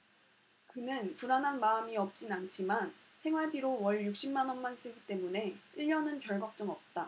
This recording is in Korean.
그는 불안한 마음이 없진 않지만 생활비로 월 육십 만원만 쓰기 때문에 일 년은 별걱정 없다